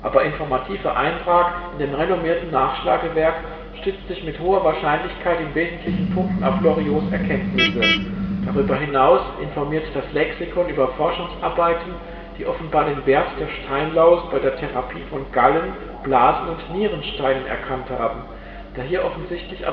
informative Eintrag in dem renommierten Nachschlagewerk stützt sich mit hoher Wahrscheinlichkeit in wesentlichen Punkten auf Loriots Erkenntnisse. Darüber hinaus informiert das Lexikon über Forschungsarbeiten, die offenbar den Wert der Steinlaus bei der Therapie von Gallen -, Blasen - und Nierensteinen erkannt haben. Da hier offensichtlich